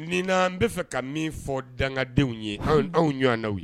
Nin na n bɛ fɛ ka min fɔ dandenw ye aw ɲɔgɔnaw ye